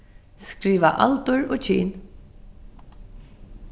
skriva aldur og kyn